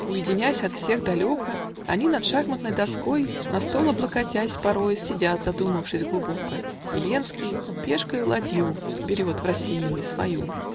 Уединясь от всех далеко, Они над шахматной доской, На стол облокотясь, порой Сидят, задумавшись глубоко, И Ленский пешкою ладью Берет в рассеянье свою.